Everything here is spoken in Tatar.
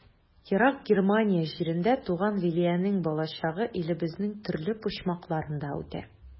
Ерак Германия җирендә туган Лилиянең балачагы илебезнең төрле почмакларында үтә.